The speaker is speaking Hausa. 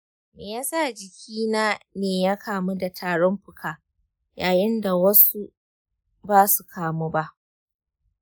me yasa jikina ne ya kamu da tarin fuka yayin da wasu ba su kamu ba?